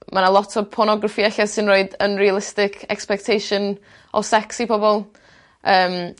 ma' 'na lot o pornograffi ella sy'n roid unrealistic expectation o secs i pobol. Yym.